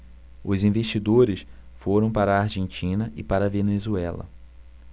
os investidores foram para a argentina e para a venezuela